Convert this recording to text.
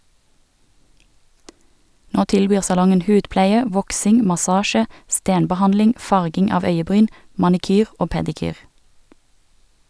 Nå tilbyr salongen hudpleie, voksing, massasje, stenbehandling, farging av øyebryn, manikyr og pedikyr.